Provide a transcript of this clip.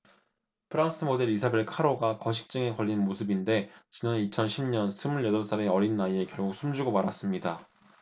프랑스 모델 이사벨 카로가 거식증에 걸린 모습인데지난 이천 십 년 스물 여덟 살의 어린 나이에 결국 숨지고 말았습니다